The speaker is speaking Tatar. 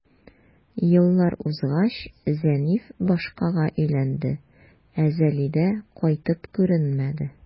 Еллар узгач, Зәниф башкага өйләнде, ә Зәлидә кайтып күренмәде.